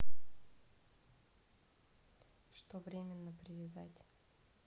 что временно привязать